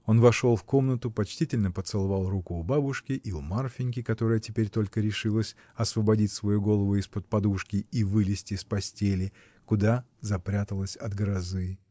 Он вошел в комнату, почтительно поцеловал руку у бабушки и у Марфиньки, которая теперь только решилась освободить свою голову из-под подушки и вылезть из постели, куда запряталась от грозы.